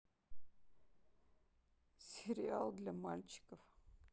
сериал для мальчиков